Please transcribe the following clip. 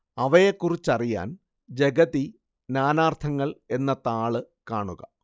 അവയെക്കുറിച്ചറിയാന്‍ ജഗതി നാനാര്‍ത്ഥങ്ങള്‍ എന്ന താള്‍ കാണുക